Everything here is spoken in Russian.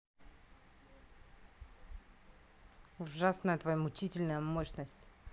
ужасная твоя мучительная мощность